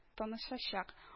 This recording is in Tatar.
Танышачак